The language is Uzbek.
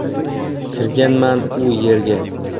kirganman u yerga